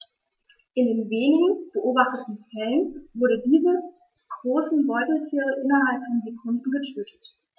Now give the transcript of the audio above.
In den wenigen beobachteten Fällen wurden diese großen Beutetiere innerhalb von Sekunden getötet.